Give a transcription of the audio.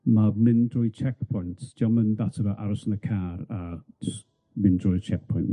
Ma' mynd drwy checkpoints 'dio'm yn fatar o aros yn y car a js mynd drwy'r checkpoint.